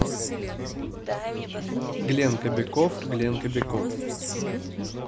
глен кобяков глен кобяков